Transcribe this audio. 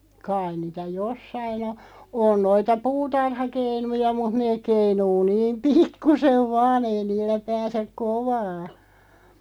kai niitä jossakin on on noita puutarhakeinuja mutta ne keinuu niin pikkuisen vain ei niillä pääse kovaa